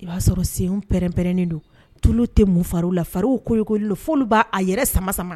I b'a sɔrɔ sen pɛrɛn-pɛrɛnnen don tulu tɛ mufarinw la farinw koykoli la fo olu b'a yɛrɛ sama sama